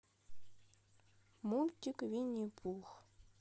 мультик винни пух